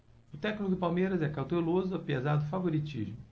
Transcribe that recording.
o técnico do palmeiras é cauteloso apesar do favoritismo